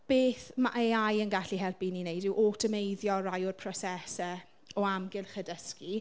Beth ma' AI yn gallu helpu ni i wneud yw awtomeiddio rai o'r prosesau o amgylch y dysgu.